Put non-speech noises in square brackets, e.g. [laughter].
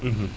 [hesitation] [hesitation]